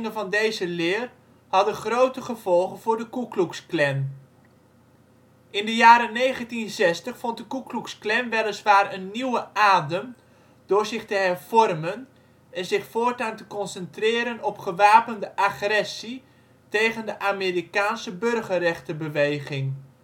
van deze leer hadden grote gevolgen voor de Ku Klux Klan. In de jaren 1960 vond de Ku Klux Klan weliswaar een nieuwe adem door zich te hervormen en zich voortaan te concentreren op gewapende agressie tegen de Amerikaanse Burgerrechtenbeweging